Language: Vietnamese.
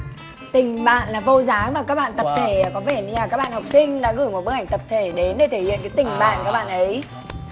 tình bạn là vô giá mà các bạn tập thể có vẻ như các bạn học sinh đã gửi một bức ảnh tập thể đến để thể hiện cái tình bạn các bạn ấy